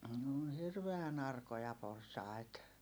ne on hirveän arkoja porsaita